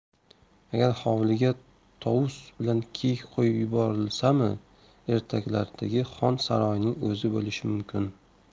agar hovliga tovus bilan kiyik qo'yib yuborilsami ertaklardagi xon saroyining o'zi bo'lishi mumkin